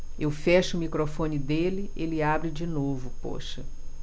eu fecho o microfone dele ele abre de novo poxa